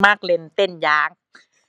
มักเล่นเต้นยาง